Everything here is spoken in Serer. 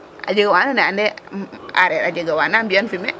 a jega wa andoona yee ande aareer a jega wa naa mbi'an fumier?